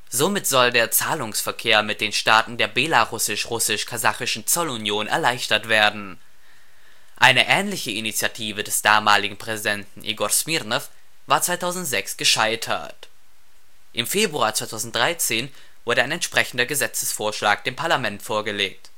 Somit soll der Zahlungsverkehr mit den Staaten der belarussisch-russisch-kasachischen Zollunion erleichtert werden. Eine ähnliche Initiative des damaligen Präsidenten Igor Smirnow war 2006 gescheitert. Im Februar 2013 wurde ein entsprechender Gesetzesvorschlag dem Parlament vorgelegt